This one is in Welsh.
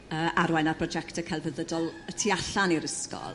yrr arwain ar brojecte celfyddydol y tu allan i'r ysgol